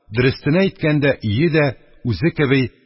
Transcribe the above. Дөрестене әйткәндә, өе дә, үзе кеби,